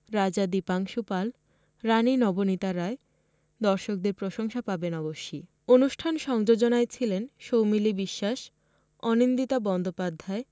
রাজা দীপাংশু পাল রানি নবনীতা রায় দর্শকদের প্রশংসা পাবেন অবশ্যি অনুষ্ঠান সংযোজনায় ছিলেন সৌমিলি বিশ্বাস অনিন্দিতা বন্দ্যোপাধ্যায়